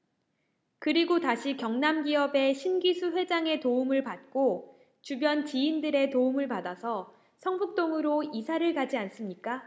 그리고 다시 경남기업의 신기수 회장의 도움을 받고 주변 지인들의 도움을 받아서 성북동으로 이사를 가지 않습니까